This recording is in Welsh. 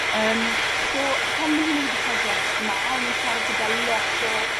Yym so pan bo'n i neud y prosiect 'ma o'n i siarad gyda lot o